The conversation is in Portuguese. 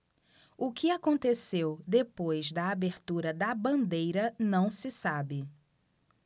o que aconteceu depois da abertura da bandeira não se sabe